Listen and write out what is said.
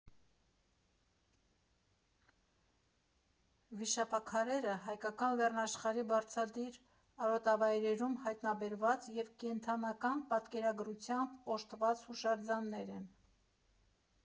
Վիշապաքարերը Հայկական լեռնաշխարհի բարձրադիր արոտավայրերում հայտնաբերված և կենդանական պատկերագրությամբ օժտված հուշարձաններ են։